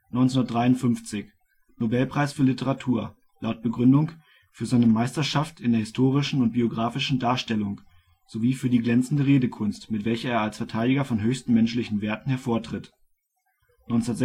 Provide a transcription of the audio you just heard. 1953 – Nobelpreis für Literatur, laut Begründung " für seine Meisterschaft in der historischen und biographischen Darstellung sowie für die glänzende Redekunst, mit welcher er als Verteidiger von höchsten menschlichen Werten hervortritt. " 1956